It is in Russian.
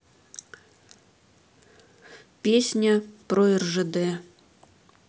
песня про ржд